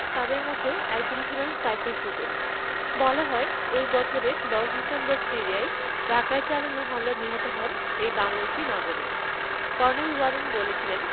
তাঁদের মধ্যে একজন ছিলেন সাইফুল সুজন বলা হয় ওই বছরের ১০ ডিসেম্বর সিরিয়ার রাকায় চালানো হামলায় নিহত হন এই বাংলাদেশি নাগরিক কর্নেল ওয়ারেন বলেছিলেন